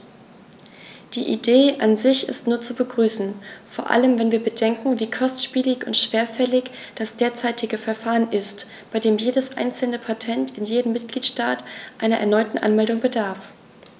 Die Idee an sich ist nur zu begrüßen, vor allem wenn wir bedenken, wie kostspielig und schwerfällig das derzeitige Verfahren ist, bei dem jedes einzelne Patent in jedem Mitgliedstaat einer erneuten Anmeldung bedarf.